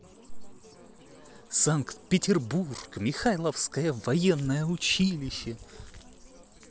санкт петербург михайловское военное училище